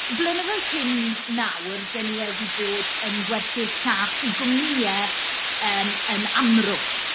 Blynyddoedd cyn nawr, dan ni wedi bod yn gwerthu'r llaeth i gwmnïau yym yn amrwd.